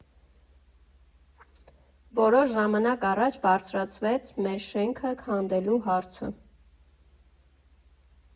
Որոշ ժամանակ առաջ բարձրացվեց մեր շենքը քանդելու հարցը։